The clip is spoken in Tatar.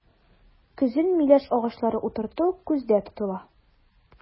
Көзен миләш агачлары утырту күздә тотыла.